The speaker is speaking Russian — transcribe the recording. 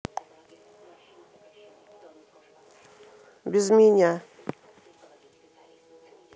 без меня